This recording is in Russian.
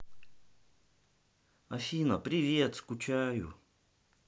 афина привет скучаю